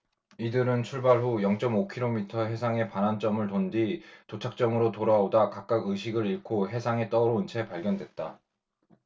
이들은 출발 후 영 쩜 오 키로미터 해상의 반환점을 돈 뒤 도착점으로 돌아오다 각각 의식을 잃고 해상에 떠오른 채 발견됐다